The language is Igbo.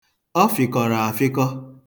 Ọ fịkọrọ afịkọ.